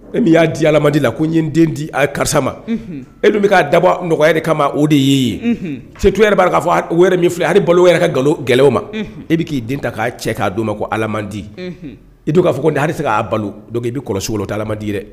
E min y'a di aladi la ko n ye n den di a ye karisa ma e min bɛ k'a dabɔ nɔgɔya de kama ma o de ye ye seto yɛrɛ b'a k'a fɔ wɛrɛ min filɛ hali balo wɛrɛ ka gɛlɛya ma e bɛ k'i den ta k'a cɛ k'a don ma ko ala di i to' fɔ n se k'a i bɛ kɔlɔsi tɛdi dɛ